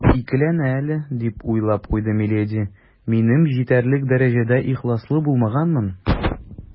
«ул икеләнә әле, - дип уйлап куйды миледи, - минем җитәрлек дәрәҗәдә ихласлы булмаганмын».